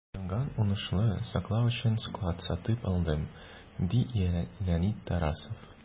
Җыелган уңышны саклау өчен склад сатып алдым, - ди Леонид Тарасов.